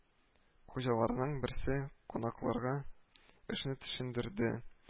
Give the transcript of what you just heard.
Хуҗаларның берсе кунакларга эшне төшендерде